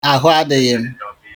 Ahụ adịghị m?